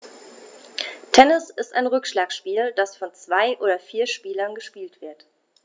Tennis ist ein Rückschlagspiel, das von zwei oder vier Spielern gespielt wird.